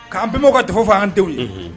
K'an bɛn ka dafa fɔ anan denw